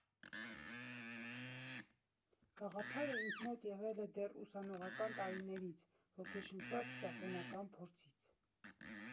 Գաղափարը ինձ մոտ եղել է դեռ ուսանողական տարիներից՝ ոգեշնչված ճապոնական փորձից,